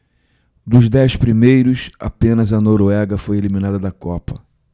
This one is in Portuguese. dos dez primeiros apenas a noruega foi eliminada da copa